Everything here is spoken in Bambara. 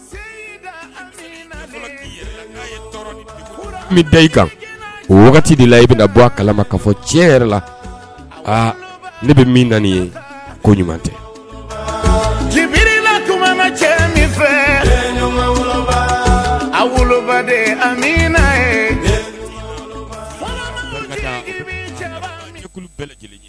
I kan wagati de la i bɛ bɔ a kalama ka fɔ cɛ yɛrɛ la a ne bɛ min naani ye ko ɲuman tɛla tuma ma cɛ min fɛ aba de a min